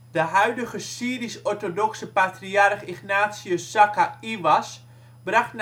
De huidige Syrisch-orthodoxe patriarch Ignatius Zakka Iwas, bracht